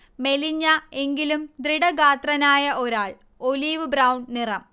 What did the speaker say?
മെലിഞ്ഞ, എങ്കിലും ദൃഢഗാത്രനായ ഒരാൾ, ഒലിവ്-ബ്രൗൺ നിറം